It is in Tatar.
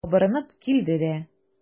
Кабарынып килде дә.